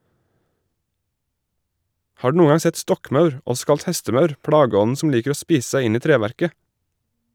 Har du noen gang sett stokkmaur, også kalt hestemaur, plageånden som liker å spise seg inn i treverket?